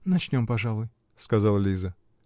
-- Начнем, пожалуй, -- сказала Лиза.